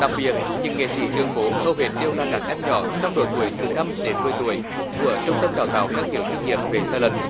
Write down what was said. đặc biệt những nghệ sĩ đường phố hầu hết đều là các em nhỏ trong độ tuổi từ năm đến mười tuổi của trung tâm đào tạo năng khiếu chuyên nghiệp việt thai lừn